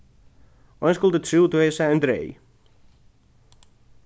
ein skuldi trúð tú hevði sæð ein dreyg